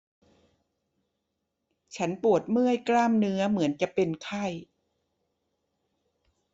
ฉันปวดเมื่อยกล้ามเนื้อเหมือนจะเป็นไข้